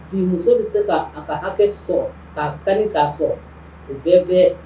Muso bɛ se k'a ka hakɛ sɔrɔ k'a kan k'a sɔrɔ u bɛɛ bɛɛ